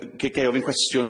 Gei- ga i ofyn cwestiwn?